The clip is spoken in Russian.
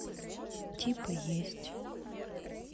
типа есть